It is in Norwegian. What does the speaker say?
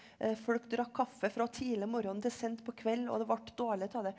folk drakk kaffe fra tidlig morgen til seint på kveld og det ble dårlig av det.